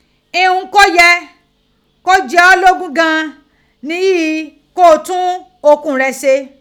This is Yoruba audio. Ihun kó yẹ kó jẹ o lógún gan an ni pghi kó o tún okun rẹ ṣe.